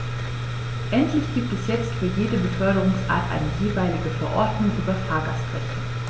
Endlich gibt es jetzt für jede Beförderungsart eine jeweilige Verordnung über Fahrgastrechte.